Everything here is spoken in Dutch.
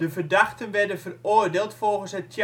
verdachten werden veroordeeld volgens het